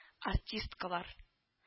Артисткалар